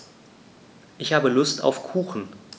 Ich habe Lust auf Kuchen.